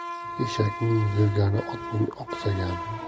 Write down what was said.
eshakning yugurigi otning oqsog'i